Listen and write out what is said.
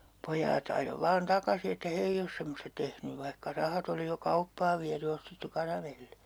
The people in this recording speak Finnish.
ja pojat ajoi vain takaisin että he ei ole semmoista tehnyt vaikka rahat oli jo kauppaan viety ja ostettu karamelliä